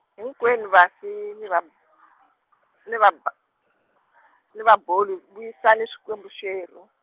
hikwenu vafi ni vab-, ni vaba-, ni vaboli vuyisani swikwembu xerhu.